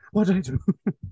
What do I do?